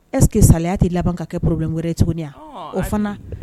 Est ce que saliya tɛ laban ka kɛ problème wɛrɛ ye tuguni wa? Ɔɔ! O fana.